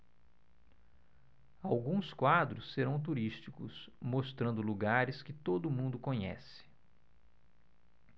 alguns quadros serão turísticos mostrando lugares que todo mundo conhece